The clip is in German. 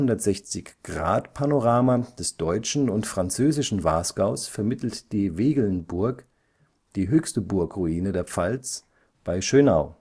Ein 360°-Panorama des deutschen und französischen Wasgaus vermittelt die Wegelnburg, die höchste Burgruine der Pfalz, bei Schönau